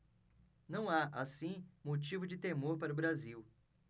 não há assim motivo de temor para o brasil